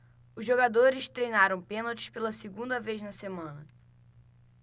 os jogadores treinaram pênaltis pela segunda vez na semana